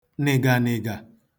nị̀gànị̀gà